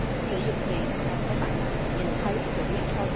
sử dụng tiền theo cái bản năng nhìn thấy rồi biết thôi